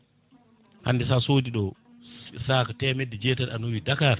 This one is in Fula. hande sa soodi ɗo sac temedde jeetati a nawi Dakar